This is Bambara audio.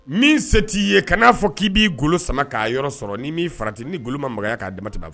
Min se t'i ye kana na fɔ k'i b'i golo sama k'a yɔrɔ sɔrɔ ni min farati ni golomamɔgɔya k'a di ma b' fɔ